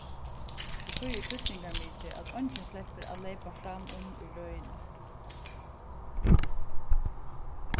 og tí er týdningarmikið at eingin sleppur at leypa fram um í røðini